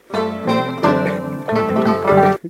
San